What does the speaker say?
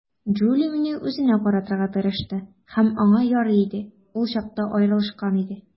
Джули мине үзенә каратырга тырышты, һәм аңа ярый иде - ул чакта аерылышкан иде.